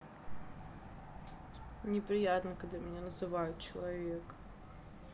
неприятно когда меня называют человек